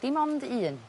dim ond un.